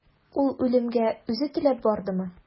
Ул үлемгә үзе теләп бардымы?